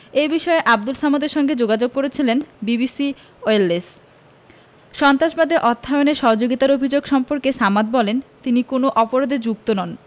এ বিষয়ে আবদুল সামাদের সঙ্গে যোগাযোগ করেছিল বিবিসি ওয়েলস সন্ত্রাসবাদে অর্থায়নে সহযোগিতার অভিযোগ সম্পর্কে সামাদ বলেন তিনি কোনো অপরাধে যুক্ত নন